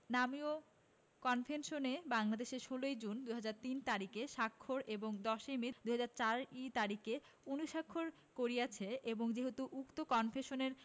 নামীয় কনভেনশনে বাংলাদেশ ১৬ জুন ২০০৩ইং তারিখে স্বাক্ষর এবং ১০ মে ২০০৪ই তারিখে অনুস্বাক্ষর করিয়াছে এবং যেহেতু উক্ত কনভেনশনের